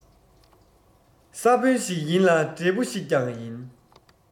ས བོན ཞིག ཡིན ལ འབྲས བུ ཞིག ཀྱང ཡིན